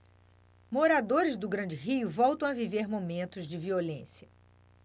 moradores do grande rio voltam a viver momentos de violência